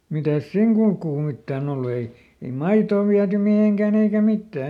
mitäs siinä kulkua mitään ollut ei ei maitoa viety mihinkään eikä mitään